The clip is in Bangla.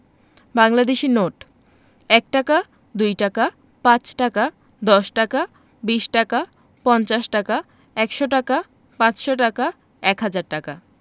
বাংলাদেশি নোট ১ টাকা ২ টাকা ৫ টাকা ১০ টাকা ২০ টাকা ৫০ টাকা ১০০ টাকা ৫০০ টাকা ১০০০ টাকা